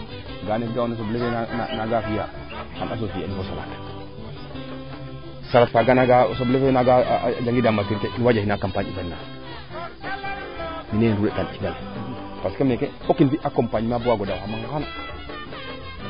ga'a ne ga'oona soble fee na fiya soble fee jegiida maturité waja xina campagne hivernage parce que meeke fook i mbi accompagnement bo waago daaw xa mangu xaana